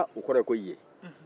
wa o kɔrɔ ye ko yen